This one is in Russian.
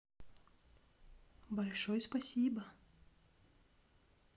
большой спасибо